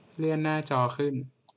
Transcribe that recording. เลื่อนหน้าจอขึ้น